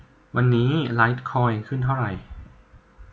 วันนี้ไลท์คอยน์ขึ้นเท่าไหร่